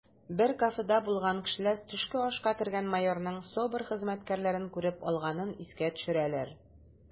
Бер кафеда булган кешеләр төшке ашка кергән майорның СОБР хезмәткәрен күреп алганын искә төшерәләр: